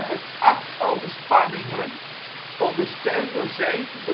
uit acht overspanningen, ondersteund door zeven